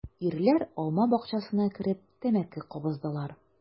Ирләр алма бакчасына кереп тәмәке кабыздылар.